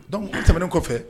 Dɔnku tɛmɛnen kɔfɛ